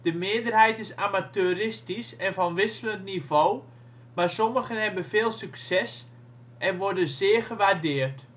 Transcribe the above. meerderheid is amateuristisch en van wisselend niveau, maar sommige hebben veel succes en worden zeer gewaardeerd